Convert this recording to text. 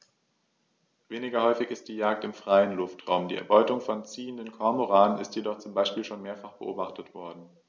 Weniger häufig ist die Jagd im freien Luftraum; die Erbeutung von ziehenden Kormoranen ist jedoch zum Beispiel schon mehrfach beobachtet worden.